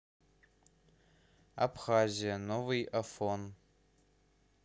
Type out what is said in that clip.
абхазия новый афон